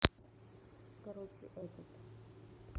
короче этот